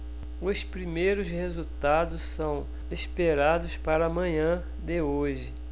os primeiros resultados são esperados para a manhã de hoje